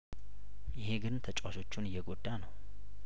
ይሄ ግን ተጫዋቾቹን እየጐዳ ነው